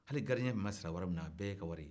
hali garidiyen bɛ sara wari minna o bɛɛ y'e ka wari